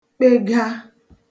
kpega